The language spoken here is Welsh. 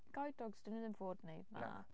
Guide dogs 'dyn nhw ddim fod wneud 'na.